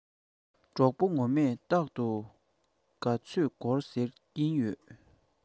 གྲོགས པོ ངོ མས རྟག དུ ག ཚོད དགོས ཟེར གྱི ཡོད